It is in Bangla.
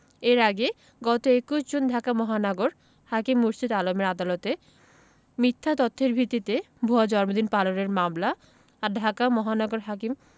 এর আগে গত ২১ জুন ঢাকা মহানগর হাকিম খুরশীদ আলমের আদালতে মিথ্যা তথ্যের ভিত্তিতে ভুয়া জন্মদিন পালনের মামলা আর ঢাকা মহানগর হাকিম